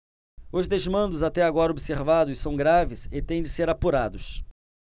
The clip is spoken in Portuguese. os desmandos até agora observados são graves e têm de ser apurados